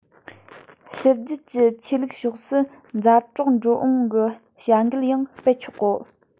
ཕྱི རྒྱལ གྱི ཆོས ལུགས ཕྱོགས སུ མཛའ གྲོགས འགྲོ འོང གི བྱ འགུལ ཡང སྤེལ ཆོག གོ